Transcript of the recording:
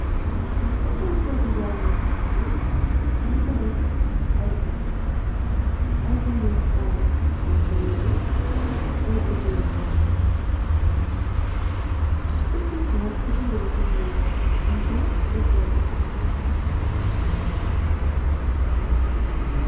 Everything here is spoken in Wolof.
Ci kawkeeti jangeekaay bi nyung fa def ay bind , ay bind yu xawa xonxo yu rëy ak ay bind yu xonxo, ci suuf nag ci bind bi fum nekk nyunffa deseeni ay xale.